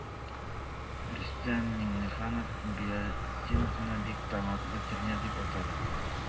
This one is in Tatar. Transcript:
Рөстәм Миңнеханов Билалетдиновны бик талантлы тренер дип атады.